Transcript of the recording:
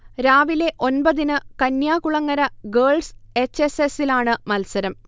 രാവിലെ ഒൻപതിന് Kanyakulangara girls H S എസിലാണ് മത്സരം